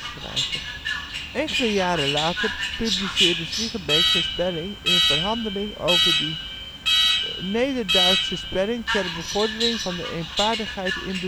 jaren later publiceerde Siegenbeek zijn spelling in Verhandeling over de Nederduitsche spelling ter bevordering van de eenparigheid in